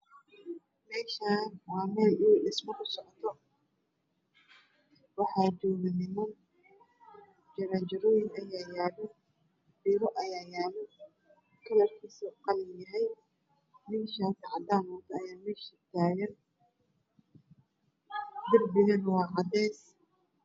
Meeshan waa meel dhismo kusocoto waxaa jogo niman jaran jaroyin ayaa yaalo geedo ayaa yaalo kalarkiisu qalin yahay nin shaati cadaan wato ayaa meesha taagan darbigana waa cadays